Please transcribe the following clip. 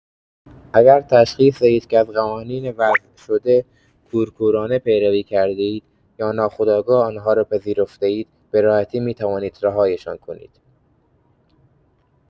اگر تشخیص دهید که از قوانین وضع‌شده کورکورانه پیروی کرده‌اید یا ناخودآگاه آن‌ها را پذیرفته‌اید، به‌راحتی می‌توانید رهایشان کنید.